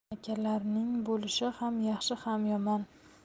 akalaring bo'lishi ham yaxshi ham yomon